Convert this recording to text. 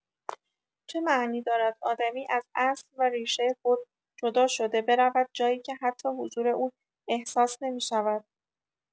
چه معنی دارد آدمی از اصل و ریشه خود جدا شده برود جایی که حتی حضور او احساس نمی‌شود.